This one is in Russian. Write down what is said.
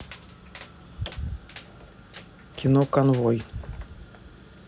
кино конвой